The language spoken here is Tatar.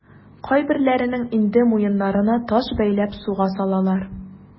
Кайберләренең инде муеннарына таш бәйләп суга салалар.